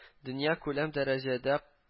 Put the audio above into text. Дөньякүләм дәрәҗәдә